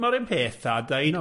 Mae run peth a deud... No.